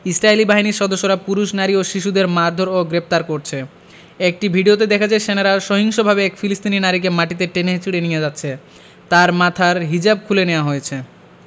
ইসরাইলী বাহিনীর সদস্যরা পুরুষ নারী ও শিশুদের মারধোর ও গ্রেফতার করছে একটি ভিডিওতে দেখা যায় সেনারা সহিংসভাবে এক ফিলিস্তিনি নারীকে মাটিতে টেনে হেঁচড়ে নিয়ে যাচ্ছে তার মাথার হিজাব খুলে নেওয়া হয়েছে